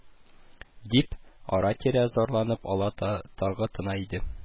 – дип, ара-тирә зарланып ала да тагы тына иде